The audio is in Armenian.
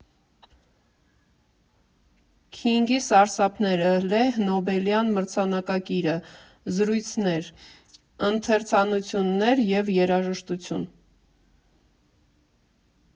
Քինգի սարսափները, լեհ նոբելյան մրցանակակիրը, զրույցներ, ընթերցանություններ և երաժշտություն.